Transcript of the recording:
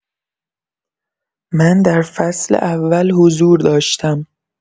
من در فصل اول حضور داشتم.